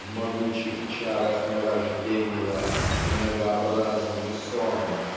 В могучих чарах наваждения -- Многообразный сон.